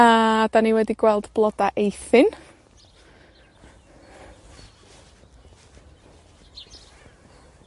A, 'dan ni wedi gweld bloda Eithin.